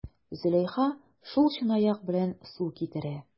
Зөләйха шул чынаяк белән су китерә.